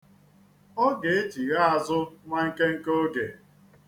Ọ ga-echigha azụ nwa nkenke oge.